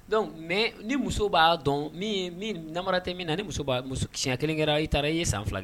Don mɛ ni muso b'a dɔn min nara tɛ min na ni muso musocɲɛ kelen kɛra i taara i ye san fila ye